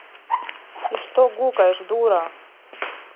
и что гукаешь дура